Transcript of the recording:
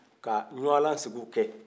ka ɲwala sigiw kɛ